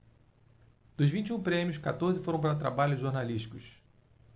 dos vinte e um prêmios quatorze foram para trabalhos jornalísticos